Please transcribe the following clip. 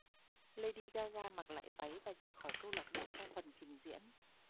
lady gaga mặc lại váy và rời khỏi câu lạc bộ sau phần trình diễn